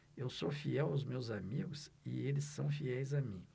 eu sou fiel aos meus amigos e eles são fiéis a mim